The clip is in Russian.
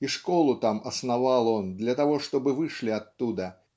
и школу там основал он для того чтобы вышли оттуда